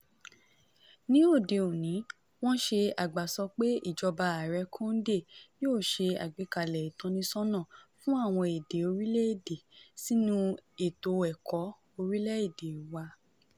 Ní òde òní, wọ́n ṣe àgbàsọ pé ìjọba Ààrẹ Condé yóò ṣe àgbékalẹ̀ ìtọ́nisọ́nà fún àwọn èdè orílẹ̀ èdè sínú ètò ẹ̀kọ́ orílẹ̀ èdè wa.